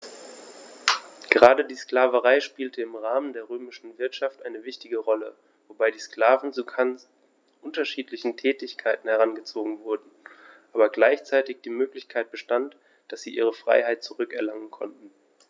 Gerade die Sklaverei spielte im Rahmen der römischen Wirtschaft eine wichtige Rolle, wobei die Sklaven zu ganz unterschiedlichen Tätigkeiten herangezogen wurden, aber gleichzeitig die Möglichkeit bestand, dass sie ihre Freiheit zurück erlangen konnten.